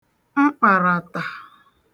mkpàràtà